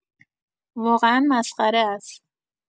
واقعا مسخره است.